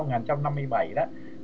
năm trăm năm mươi bảy đấy